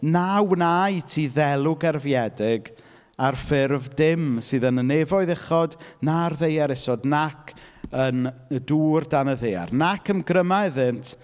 Na wna i ti ddelw gerfiedig ar ffurf dim sydd yn y nefoedd uchod, na'r ddaear isod, nac yn y dŵr dan y ddaear. Nac ymgryma iddynt.